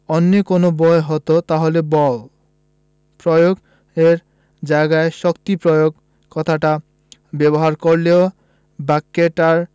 অন্য কোনো বই হতো তাহলে বল প্রয়োগ এর জায়গায় শক্তি প্রয়োগ কথাটা ব্যবহার করলেও বাক্যটায়